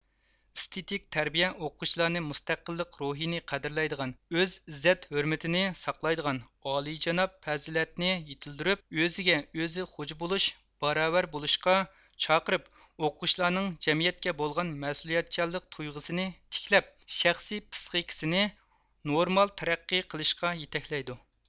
ئىستىتىك تەربىيە ئوقۇغۇچىلارنى مۇستەقىللىق روھىنى قەدىرلەيدىغان ئۆز ئىززەت ھۆرمىتىنى ساقلايدىغان ئالىجاناپ پەزىلەتنى يېتىلدۈرۈپ ئۆزىگە ئۆزى خوجا بولۇش باراۋەر بولۇشقا چاقىرىپ ئوقۇغۇچىلارنىڭ جەمئىيەتكە بولغان مەسئۇلىيەتچانلىق تۇيغىسىنى تىكلەپ شەخسىي پىسخىكىسىنى نورمال تەرەققى قىلىشقا يىتەكلەيدۇ